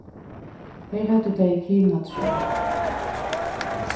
her høvdu tey í kina trøð